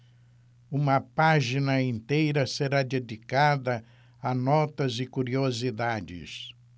uma página inteira será dedicada a notas e curiosidades